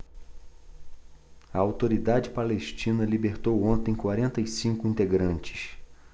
a autoridade palestina libertou ontem quarenta e cinco integrantes